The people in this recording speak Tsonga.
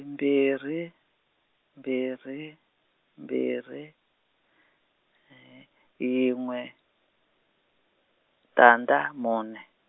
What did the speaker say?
mbirhi, mbirhi, mbirhi, yinwe, tandza mune.